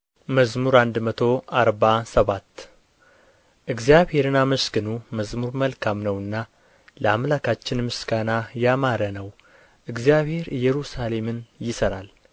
መዝሙር መቶ አርባ ሰባት እግዚአብሔርን አመስግኑ መዝሙር መልካም ነውና ለአምላካችን ምስጋና ያማረ ነው እግዚአብሔር ኢየሩሳሌምን ይሠራል